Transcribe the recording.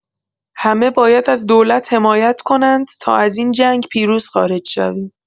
همه باید از دولت حمایت کنند تا از این جنگ پیروز خارج شویم.